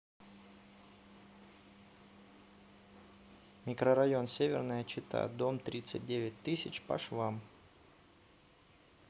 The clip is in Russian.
микрорайон северная чита дом тридцать девять тысяч по швам